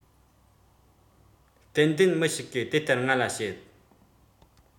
ཏན ཏན མི ཞིག གིས དེ ལྟར ང ལ བཤད